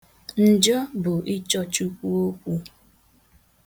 Njọ bụ ịchọ chukwu okwu.